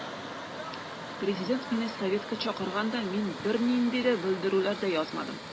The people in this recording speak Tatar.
Президент мине советка чакырганда мин бернинди белдерүләр дә язмадым.